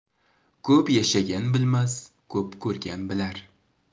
ko'p yashagan bilmas ko'p ko'rgan bilar